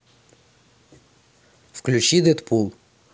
включи дэдпул